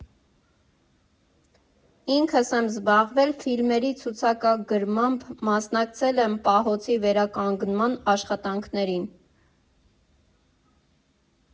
Ինքս եմ զբաղվել ֆիլմերի ցուցակագրմամբ, մասնակցել եմ պահոցի վերականգնման աշխատանքներին։